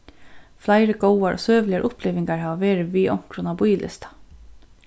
fleiri góðar og søguligar upplivingar hava verið við onkrum á bíðilista